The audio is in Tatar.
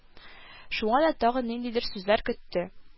Шуңа да тагын ниндидер сүзләр көтте